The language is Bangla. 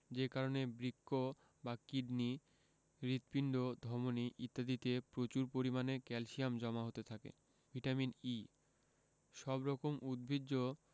যে কারণে বৃক্ক বা কিডনি হৃৎপিণ্ড ধমনি ইত্যাদিতে প্রচুর পরিমাণে ক্যালসিয়াম জমা হতে থাকে ভিটামিন E সব রকম উদ্ভিজ্জ